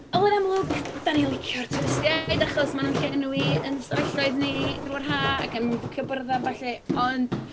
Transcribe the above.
Wel, yn amlwg, dan ni'n licio'r twristiaid, achos maen nhw'n llenwi yn ein stafelloedd ni drwy'r haf, ac yn bwcio byrddau a ballu. Ond...